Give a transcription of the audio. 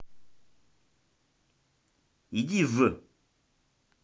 иди в